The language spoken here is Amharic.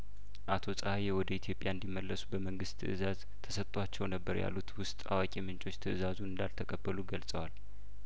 አቶ ጸሀዬ ወደ ኢትዮጵያ እንዲመለሱ በመንግስት ትእዛዝ ተሰጥቷቸው ነበር ያሉት ውስጥ አዋቂምንጮች ትእዛዙን እንዳልተቀበሉ ገልጸዋል